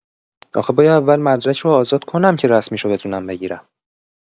آخه باید اول مدرک رو آزاد کنم که رسمیشو بتونم بگیرم!